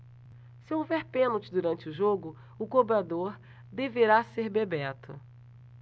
se houver pênalti durante o jogo o cobrador deverá ser bebeto